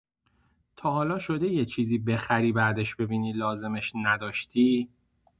تا حالا شده یه چیزی بخری بعدش ببینی لازمش نداشتی؟